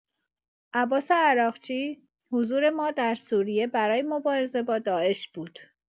عباس عراقچی: حضور ما در سوریه برای مبارزه با داعش بود.